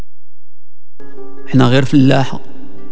نغير فلاحه